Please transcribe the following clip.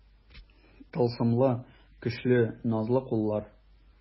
Тылсымлы, көчле, назлы куллар.